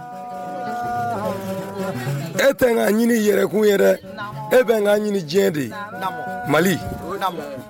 E tɛ n ka ɲini yɛrɛkun ye e bɛ n ka ɲini diɲɛ de ye mali